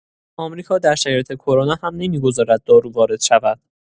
آمریکا در شرایط کرونا هم نمی‌گذارد دارو وارد شود.